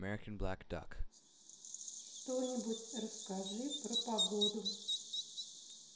что нибудь расскажи про погоду